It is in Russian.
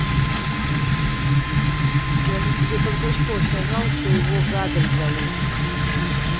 я же тебе только что сказал что его гадель зовут